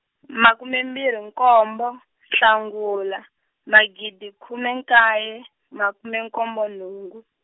makume mbirhi nkombo, Nhlangula, magidi khume nkaye, makume nkombo nhungu.